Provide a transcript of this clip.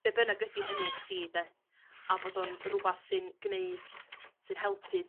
be bynnag ydi hynny i chdi 'de a bod o'n... Ia. ...rwbath sy'n gneud... Sy'n helpu